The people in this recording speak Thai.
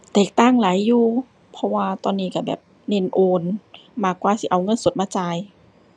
แตกต่างหลายอยู่ เพราะว่าตอนนี้ก็แบบเน้นโอนมากกว่าสิเอาเงินสดมาจ่าย